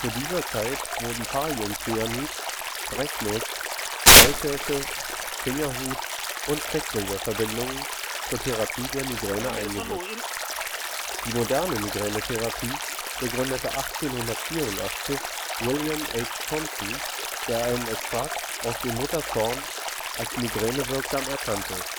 dieser Zeit wurden Kaliumcyanid, Brechnuss, Tollkirsche, Fingerhut und Quecksilberverbindungen zur Therapie der Migräne eingesetzt. Die moderne Migränetherapie begründete 1884 William H. Thompson, der einen Extrakt aus dem Mutterkorn als migränewirksam erkannte